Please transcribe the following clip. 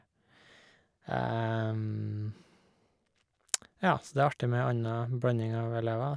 Ja, så det er artig med ei anna blanding av elever.